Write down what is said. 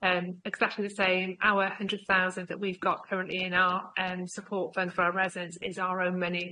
Yym exactly the same our hundred thousand that we've got currently in our yym support fund for our residents is our own money.